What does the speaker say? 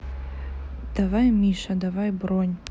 давай миша давай бронь